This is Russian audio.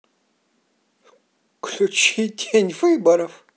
включи день выборов